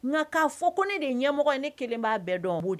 Ɲa k'a fɔ ko ne de ye ɲɛmɔgɔ ye ne 1 b'a bɛɛ dɔn b